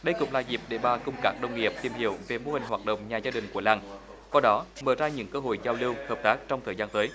đây cũng là dịp để bà cùng các đồng nghiệp tìm hiểu về mô hình hoạt động nhà gia đình của làng qua đó mở ra những cơ hội giao lưu hợp tác trong thời gian tới